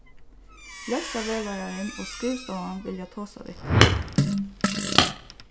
lestrarvegleiðarin og skrivstovan vilja tosa við teg